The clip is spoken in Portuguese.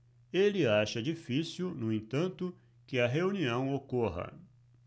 ele acha difícil no entanto que a reunião ocorra